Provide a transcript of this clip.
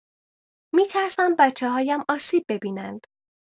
می‌ترسم بچه‌هایم آسیب ببینند.